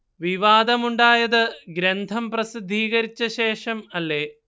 വിവാദം ഉണ്ടായത് ഗ്രന്ഥം പ്രസിദ്ധീകരിച്ച ശേഷം അല്ലേ